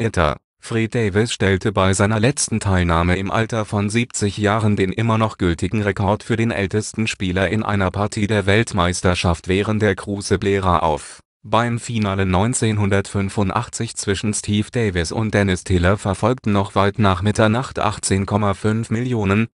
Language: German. Theatre. Fred Davis stellte bei seiner letzten Teilnahme im Alter von 70 Jahren den immer noch gültigen Rekord für den ältesten Spieler in einer Partie der Weltmeisterschaft während der Crucible-Ära auf. Beim Finale 1985 zwischen Steve Davis und Dennis Taylor verfolgten noch weit nach Mitternacht 18,5 Millionen